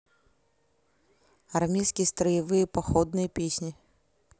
армейские строевые походные песни